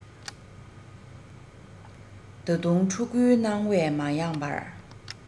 ད དུང ཕྲུ གུའི སྣང བས མ རེངས པར